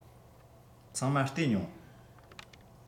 ཚང མ བལྟས མྱོང